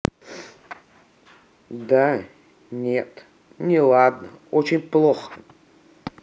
да нет неладно очень плохо